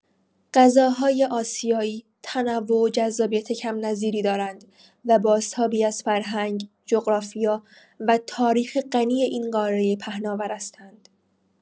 غذاهای آسیایی تنوع و جذابیت کم‌نظیری دارند و بازتابی از فرهنگ، جغرافیا و تاریخ غنی این قاره پهناور هستند.